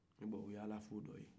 oye ala fo dɔ ye